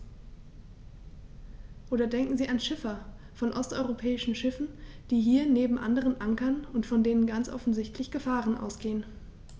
Oder denken Sie an Schiffer von osteuropäischen Schiffen, die hier neben anderen ankern und von denen ganz offensichtlich Gefahren ausgehen.